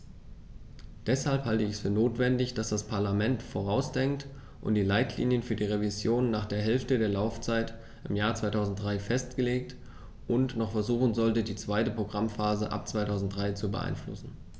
Deshalb halte ich es für notwendig, dass das Parlament vorausdenkt und die Leitlinien für die Revision nach der Hälfte der Laufzeit im Jahr 2003 festlegt und noch versuchen sollte, die zweite Programmphase ab 2003 zu beeinflussen.